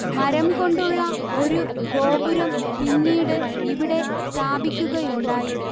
മരം കൊണ്ടുള്ള ഒരു ഗോപുരം പിന്നീട് ഇവിടെ സ്ഥാപിക്കുകയുണ്ടായി